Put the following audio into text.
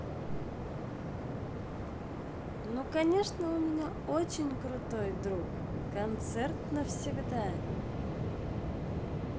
ну конечно у меня очень крутой друг концерт навсегда